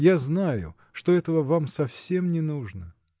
я знаю, что этого вам совсем не нужно.